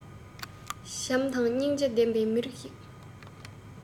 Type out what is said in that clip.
བྱམས དང སྙིང རྗེ ལྡན པའི མི རིགས ཤིག